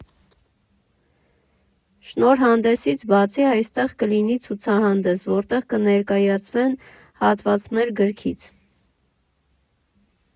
Շնորհանդեսից բացի այստեղ կլինի ցուցահանդես, որտեղ կներկայացվեն հատվածներ գրքից։